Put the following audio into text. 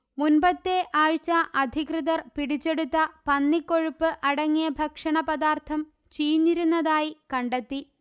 മുൻപത്തെ ആഴ്ച അധികൃതർ പിടിച്ചെടുത്ത പന്നി കൊഴുപ്പ് അടങ്ങിയ ഭക്ഷണ പദാർത്ഥം ചീഞ്ഞിരുന്നതായി കണ്ടെത്തി